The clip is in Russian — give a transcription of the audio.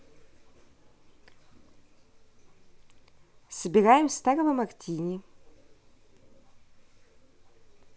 собираем старого мартини